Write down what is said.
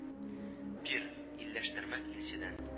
Пир: Илләштермәк илчедән